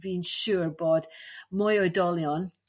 dwi'n siwr bod mwy oedolion